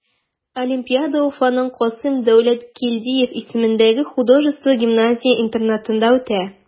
Олимпиада Уфаның Касыйм Дәүләткилдиев исемендәге художество гимназия-интернатында үтә.